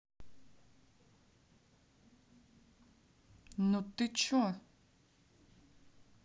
ну ты че